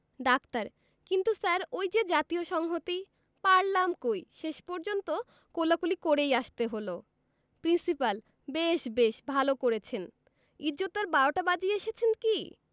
doctor কিন্তু sir ওই যে জাতীয় সংহতি পারলাম কই শেষ পর্যন্ত কোলাকুলি করেই আসতে হলো প্রিন্সিপাল বেশ বেশ ভালো করেছেন ইজ্জতের বারোটা বাজিয়ে এসেছেন কি